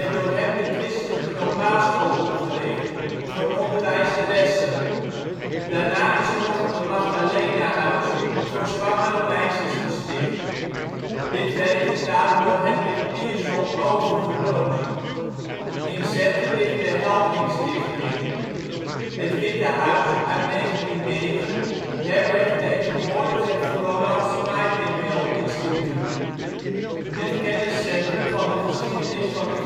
door hem de Christelijke normaalschool opgericht voor onderwijzeressen. Daarna is er nog een Magdalenahuis voor zwangere meisjes gesticht. Dit werk is later door Hendrik Pierson overgenomen. In Zetten ligt de " Heldringstichting ". Het Witte Huis (1909) herbergt tegenwoordig het Florence Nightinghale Instituut, het kenniscentrum van de geschiedenis van de